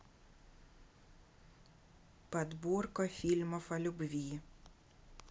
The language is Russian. подборка фильмов о любви